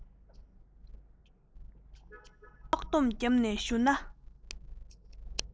ཕྱོགས བསྡོམས བརྒྱབ ནས ཞུ ན